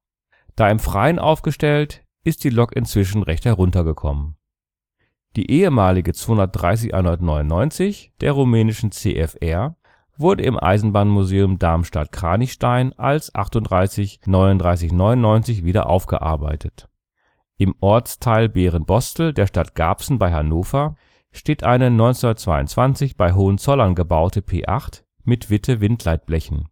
Da im Freien aufgestellt ist die Lok inzwischen recht heruntergekommen. Die ehemalige 230 199 der rumänischen CFR wurde im Eisenbahnmuseum Darmstadt-Kranichstein als 38 3999 wieder aufgearbeitet. Im Ortsteil Berenbostel der Stadt Garbsen bei Hannover steht eine 1922 bei Hohenzollern gebaute P8 mit Witte-Windleitblechen